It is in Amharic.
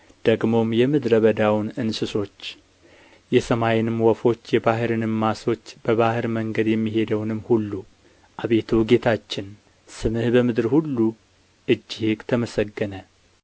ደግሞም የምድረ በዳውን እንስሶች የሰማይንም ወፎች የባሕርንም ዓሦች በባሕር መንገድ የሚሄደውንም ሁሉ አቤቱ ጌታችን ስምህ በምድር ሁሉ እጅግ ተመሰገነ